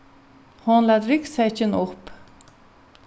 hon læt ryggsekkin upp